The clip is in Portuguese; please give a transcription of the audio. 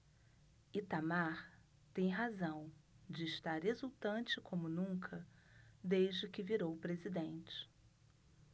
itamar tem razão de estar exultante como nunca desde que virou presidente